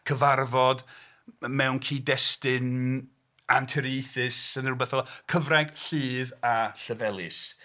Cyfarfod mewn cyd-destun anturiaethus, neu rhywbeth fela. Cyfranc Lludd a Llefelys.